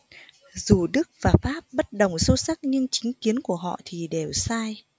dù đức và pháp bất đồng sâu sắc nhưng chính kiến của họ thì đều sai